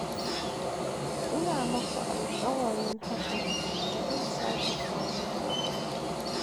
Ina maku alƙawarin hakan ba zai sake faruwa ba.